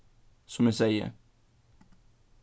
sum eg segði